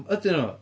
Ydyn nhw?